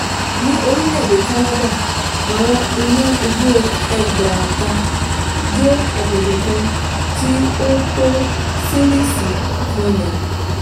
Ní orílẹ̀-èdè Canada, àwọn iná igbó 6,000 jó agbègbè kan tí ó tó Sicily kanlẹ̀.